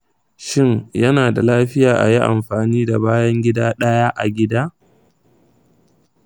shin yana da lafiya a yi amfani da bayan gida ɗaya a gida?